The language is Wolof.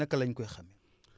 naka la ñu koy xamee